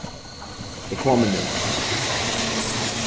eg komi nú